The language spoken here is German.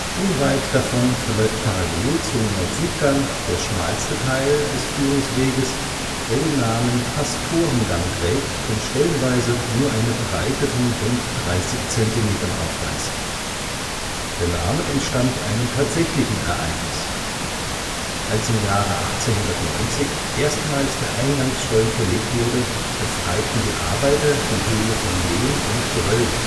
Unweit davon verläuft parallel zum Nord-Süd-Gang der schmalste Teil des Führungsweges, der den Namen Pastorengang trägt und stellenweise nur eine Breite von rund 30 Zentimetern aufweist. Der Name entstammt einem tatsächlichen Ereignis: Als im Jahre 1890 erstmals der Eingangsstollen verlegt wurde, befreiten die Arbeiter die Höhle von Lehm und Geröll